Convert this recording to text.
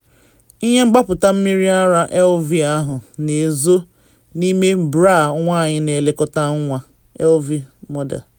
Ihe mgbapụta mmiri ara Elvie ahụ na ezo n’ime bra nwanyị na elekọta nwa (Elvie/Mother)